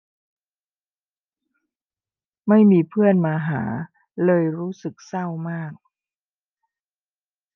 ไม่มีเพื่อนมาหาเลยรู้สึกเศร้ามาก